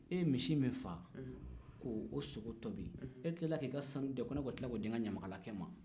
e ye misi min faa k'o sogo tobi e tilala k'i ka sanu di yan ko ne k'o di n ka ɲamakalakɛ ma